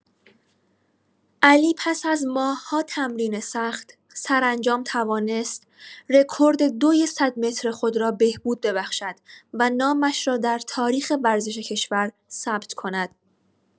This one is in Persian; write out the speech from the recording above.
علی پس از ماه‌ها تمرین سخت، سرانجام توانست رکورد دوی صد متر خود را بهبود ببخشد و نامش را در تاریخ ورزش کشور ثبت کند.